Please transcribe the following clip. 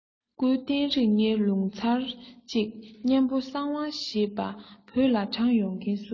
སྐུའི རྟེན རིགས ལྔའི ལུགས ཚར གཅིག གཉན པོ གསང བ ཞེས པ བོད ལ དྲངས ཡོང མཁན སུ ཡིན